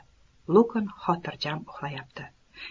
lukn xotirjam uxlayapti